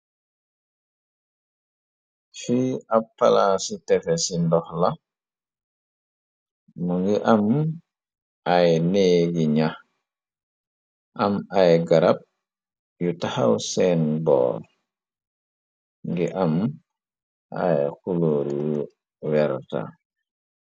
Fi ab pala ci tefe ci ndox la, nu ngi am ay nee gi ñax, am ay garab yu taxaw seen boor, ngi am ay xulóor yu werta.